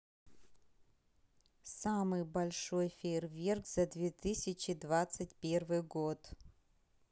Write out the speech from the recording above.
самый большой фейерверк за две тысячи двадцать первый год